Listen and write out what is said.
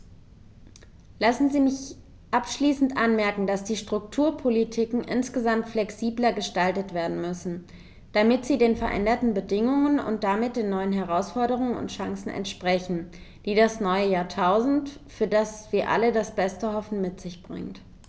Lassen Sie mich abschließend anmerken, dass die Strukturpolitiken insgesamt flexibler gestaltet werden müssen, damit sie den veränderten Bedingungen und damit den neuen Herausforderungen und Chancen entsprechen, die das neue Jahrtausend, für das wir alle das Beste hoffen, mit sich bringt.